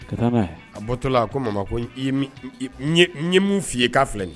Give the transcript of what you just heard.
A bɔtɔla a ko maman ko n ɲɛ min f'u ye k'a filɛ